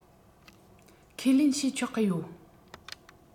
ཁས ལེན བྱས ཆོག གི ཡོད